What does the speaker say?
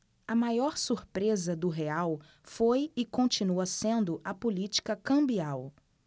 a maior surpresa do real foi e continua sendo a política cambial